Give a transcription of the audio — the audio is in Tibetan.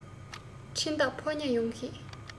འཕྲིན བདག ཕོ ཉ ཡོང གི